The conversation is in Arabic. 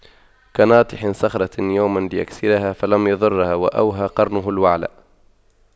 كناطح صخرة يوما ليكسرها فلم يضرها وأوهى قرنه الوعل